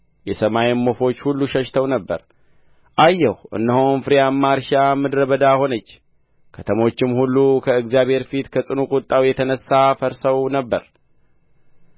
የሰማይም ወፎች ሁሉ ሸሽተው ነበር አየሁ እነሆም ፍሬያማ እርሻ ምድረ በዳ ሆነች ከተሞችም ሁሉ ከእግዚአብሔር ፊት ከጽኑ ከወጣው የተነሣ ፈርሰው ነበር